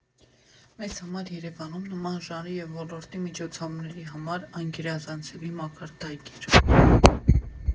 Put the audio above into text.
Մեզ համար Երևանում նման ժանրի և ոլորտի միջոցառումների համար անգերազանցելի մակարդակ էր։